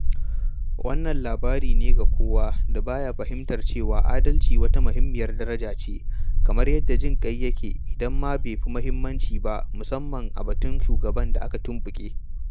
Wannan labari ne ga kowa da ba ya fahimtar cewa adalci wata muhimmiyar daraja ce, kamar yadda jinƙai yake — idan bai ma fi muhimmanci ba, musamman a batun shugaban da aka tumɓuke.